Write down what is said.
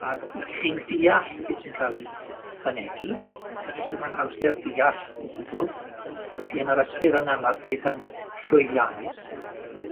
Ag chi'n deall beth sy'n ca'l 'i fynegi, do's dim anhawster deall o gwbwl, felly yn yr ystyr yna ma'r peth yn llwyddiannus,